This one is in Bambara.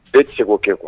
E tɛ se k'o kɛ quoi